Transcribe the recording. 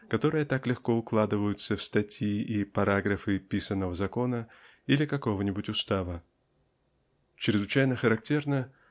которые так легко укладываются в статьи и параграфы писаного закона или какого нибудь устава. Чрезвычайно характерно